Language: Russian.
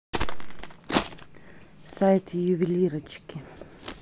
сайт ювелирочки